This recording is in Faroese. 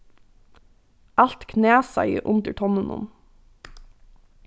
alt knasaði undir tonnunum